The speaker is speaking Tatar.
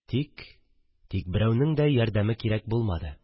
Тик... тик берәүнең дә ярдәме кирәк булмады